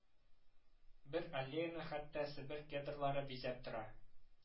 Бер аллеяны хәтта себер кедрлары бизәп тора